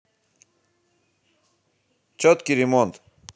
четкий ремонт